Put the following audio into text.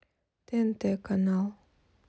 тнт канал